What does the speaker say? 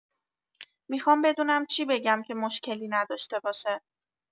میخوام بدونم چی بگم که مشکلی نداشته باشه.